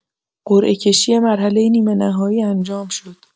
قرعه‌کشی مرحله نیمه‌نهایی انجام شد.